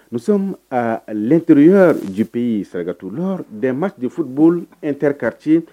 Mu lentre yɔrɔ jip ye sarakakato la dɛmɛba de ye fuoli tri kariti